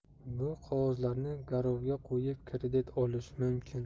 bu qog'ozlarni garovga qo'yib kredit olish mumkin